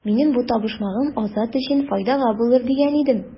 Минем бу табышмагым Азат өчен файдага булыр дигән идем.